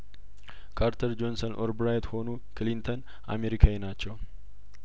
ካርተር ጆንሰን ኦልብራይት ሆኑ ክሊንተን አሜሪካዊ ናቸው